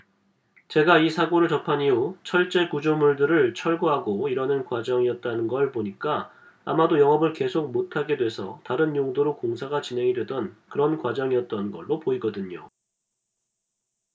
제가 이 사고를 접한 이후 철제구조물들을 철거하고 이러는 과정이었다는 걸 보니까 아마도 영업을 계속 못하게 돼서 다른 용도로 공사가 진행이 되던 그런 과정이었던 걸로 보이거든요